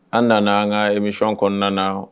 An nana an ka imiɔn kɔnɔna na